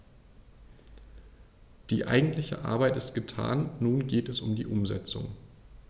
Die eigentliche Arbeit ist getan, nun geht es um die Umsetzung.